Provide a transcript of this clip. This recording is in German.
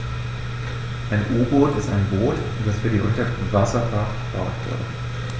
Ein U-Boot ist ein Boot, das für die Unterwasserfahrt gebaut wurde.